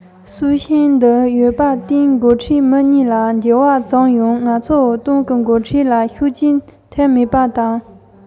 ཏང གི འགོ ཁྲིད ནི ཐོག མཐའ བར གསུམ དུ བརྟན པོར གནས ཡོད